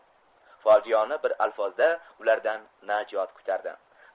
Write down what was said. fojiona bir alfozda ulardan najot kutardi